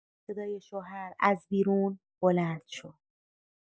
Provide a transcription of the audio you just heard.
صدای شوهر از بیرون بلند شد